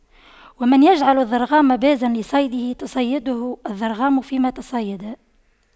ومن يجعل الضرغام بازا لصيده تَصَيَّدَهُ الضرغام فيما تصيدا